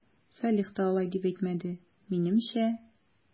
Салих та алай дип әйтмәде, минемчә...